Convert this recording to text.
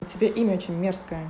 у тебя имя очень мерзкое